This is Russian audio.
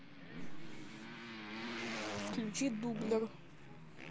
включи дублер